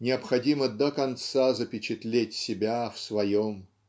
необходимо до конца запечатлеть себя в своем.